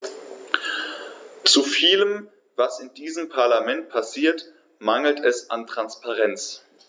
Zu vielem, was in diesem Parlament passiert, mangelt es an Transparenz.